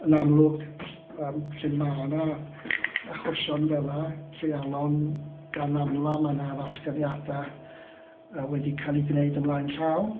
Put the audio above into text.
Yn amlwg yym lle ma' 'na achosion fela, treialon gan amla, ma' 'na ddatganiadau yy wedi cael eu gwneud ymlaen llaw.